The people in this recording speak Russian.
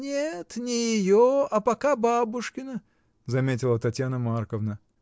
— Нет, не ее, а пока бабушкино, — заметила Татьяна Марковна.